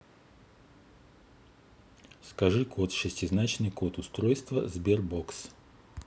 скажи код шестизначный код устройства sber box